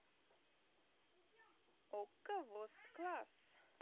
okko вост класс